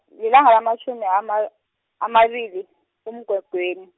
lilanga lamatjhumi ama- amabili, kuMgwengweni.